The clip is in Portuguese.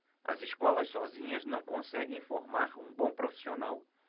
as escolas sozinhas não conseguem formar um bom profissional